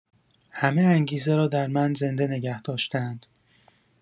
همه انگیزه را در من زنده نگه داشته‌اند.